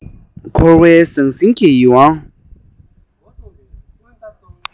འཁོར བའི ཟང ཟིང གིས ཡིད དབང